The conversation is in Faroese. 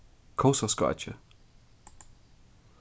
kósaskákið